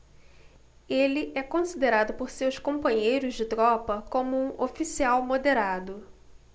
ele é considerado por seus companheiros de tropa como um oficial moderado